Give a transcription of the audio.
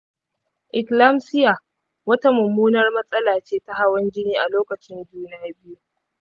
eclampsia wata mummunar matsala ce ta hawan jini a lokacin juna biyu.